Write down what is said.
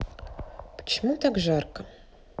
почему так жарко